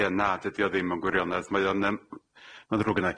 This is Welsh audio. Ie na dydi o ddim yn gwirionedd mae o'n yym. Ma'n ddrwg genai.